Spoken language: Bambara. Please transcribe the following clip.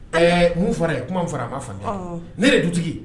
Ɛɛ mun fɔra yan, kuma min fɔra yan a ma faamuya, ɔnhɔn, ɛɛ ne de ye dutigi ye!